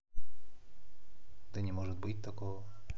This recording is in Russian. да не может быть такого